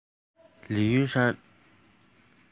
ལིའུ ཡུན ཧྲན